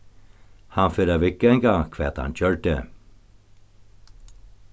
hann fer at viðganga hvat hann gjørdi